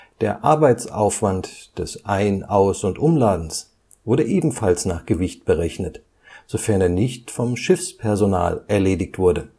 Der Arbeitsaufwand des Ein -, Aus - und Umladens wurde ebenfalls nach Gewicht berechnet, sofern er nicht vom Schiffspersonal erledigt wurde